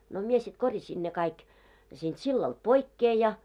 no minä sitten korjasin ne kaikki siitä sillalta pois ja